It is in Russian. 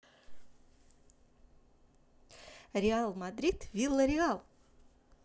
real madrid виллареал